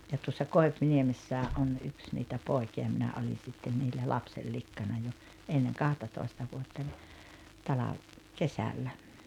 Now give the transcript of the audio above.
ja tuossa Koipiniemessä on yksi niitä poikia minä oli sitten niillä lapsenlikkana jo ennen kahtatoista vuotta - kesällä